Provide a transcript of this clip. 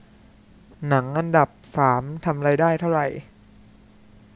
หนังอันดับสามทำรายได้เท่าไหร่